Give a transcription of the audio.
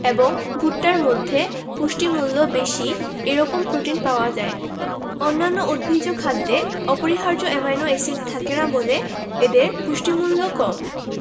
এবং ভুট্টার মধ্যে পুষ্টিমূল্য বেশি এরকম প্রোটিন পাওয়া যায় অন্যান্য উদ্ভিজ্জ খাদ্যে অপরিহার্য অ্যামাইনো এসিড থাকে না বলে এদের পুষ্টিমূল্য কম